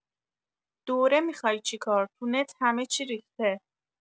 دوره میخای چیکار تو نت همه چی ریخته